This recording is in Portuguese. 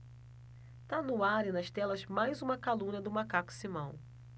tá no ar e nas telas mais uma calúnia do macaco simão